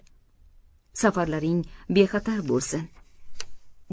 safarlaring bexatar bo'lsin